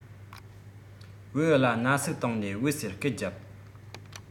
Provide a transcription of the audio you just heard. བེའུ ལ ན ཟུག བཏང ནས སྦད ཟེར སྐད རྒྱབ